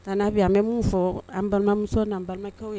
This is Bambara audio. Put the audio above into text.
N'abi an bɛ min fɔ an balimamuso ni balimakɛ ye